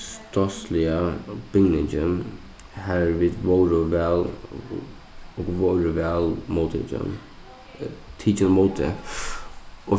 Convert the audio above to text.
stásiliga bygningin har vit vórðu væl okur vórðu væl móttikin tikin ímóti